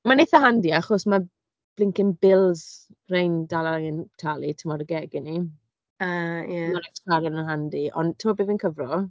Mae'n eitha handi, achos ma'r blincin bills rhein dal angen talu, timod y gegin ni. A, ie. Mae'r extra arian yn handi, ond timod be mae'n cyfro?